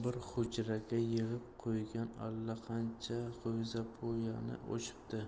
qo'ygan allaqancha g'o'zapoyani opchiqibdi